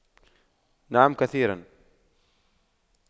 نعم كثيرا